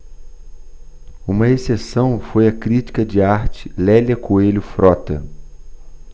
uma exceção foi a crítica de arte lélia coelho frota